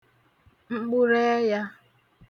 mkpụrụẹyā